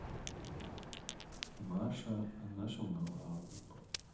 маша о нашем о главном